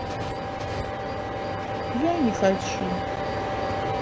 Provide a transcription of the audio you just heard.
я не хочу